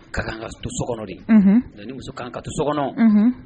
Ka kan ka to so kɔnɔ de muso kanan ka to so kɔnɔ